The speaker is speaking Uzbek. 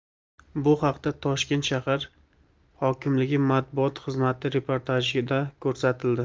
bu haqda toshkent shahar hokimligi matbuot xizmati reportajida ko'rsatildi